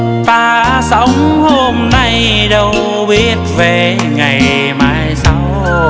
ta sống hôm nay đâu biết về ngày mai sau